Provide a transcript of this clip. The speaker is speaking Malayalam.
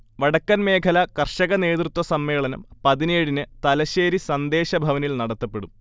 വടക്കൻ മേഖല കർഷക നേതൃത്വസമ്മേളനം പതിനേഴിന് തലശ്ശേരി സന്ദേശഭവനിൽ നടത്തപ്പെടും